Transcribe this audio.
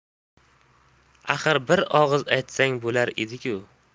axir bir og'iz aytsang bo'lar ediku